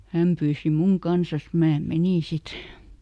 hän pyysi minun kanssa minä menin sitten